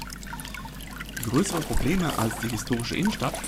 Probleme als die historische Innenstadt